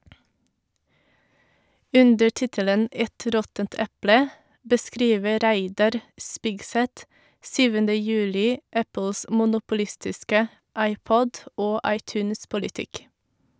Under tittelen «Et råttent eple» beskriver Reidar Spigseth 7. juli Apples monopolistiske iPod- og iTunes-politikk.